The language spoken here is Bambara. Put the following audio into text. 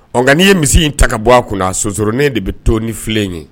Ɔ n'i ye misi in ta ka bɔ a kunna na sososrnen de bɛ to ni filen ye